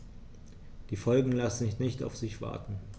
Die Folgen lassen nicht auf sich warten.